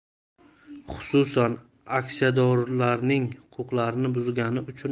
xususan aksiyadorlarning huquqlarini buzgani uchun